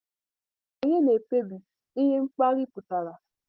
Onye na-ekpebi ihe mkparị pụtara?